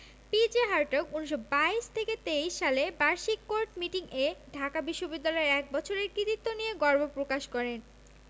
P J Hartog ১৯২২ ২৩ সালে বার্ষিক court meeting এ ঢাকা বিশ্ববিদ্যালয়ের এক বছরের কৃতিত্ব নিয়ে গর্ব প্রকাশ করেন